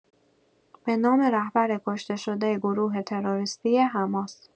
به نام رهبر کشته‌شده گروه تروریستی حماس